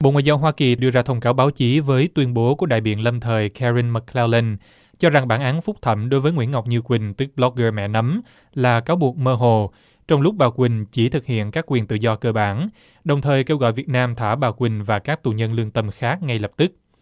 bộ ngoại giao hoa kỳ đưa ra thông cáo báo chí với tuyên bố của đại biện lâm thời khe vin mực cờ lao linh cho rằng bản án phúc thẩm đối với nguyễn ngọc như quỳnh tức bờ loóc gơ mẹ nấm là cáo buộc mơ hồ trong lúc bà quỳnh chỉ thực hiện các quyền tự do cơ bản đồng thời kêu gọi việt nam thả bà quỳnh và các tù nhân lương tâm khác ngay lập tức